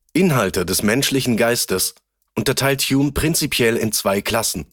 Inhalte des menschlichen Geistes unterteilt Hume prinzipiell in zwei Klassen